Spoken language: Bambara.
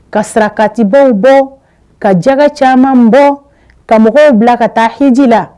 Ka sirakatibaw bɔ, ka jaaka caaman bɔ, ka mɔgɔw bila ka taa heji la.